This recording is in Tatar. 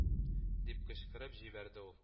Дип кычкырып җибәрде ул